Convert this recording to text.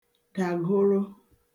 dàgoro